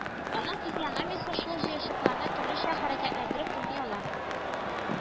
Аның физиономиясе шул җыерчыкларны төрлечә хәрәкәтләндереп уйный ала